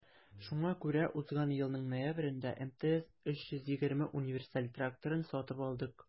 Шуңа күрә узган елның ноябрендә МТЗ 320 универсаль тракторын сатып алдык.